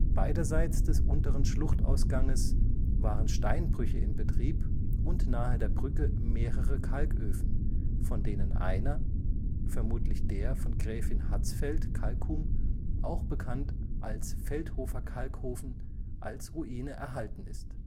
Beiderseits des unteren Schluchtausganges waren Steinbrüche in Betrieb und nahe der Brücke mehrere Kalköfen, von denen einer (vermutlich der von Gräfin Hatzfeldt, Kalkum), auch bekannt als Feldhofer Kalkofen, als Ruine erhalten ist